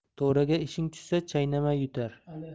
to'raga ishing tushsa chaynamay yutar